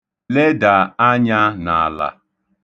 Leda anya n'ala.